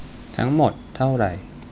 ทั้งหมดเท่าไหร่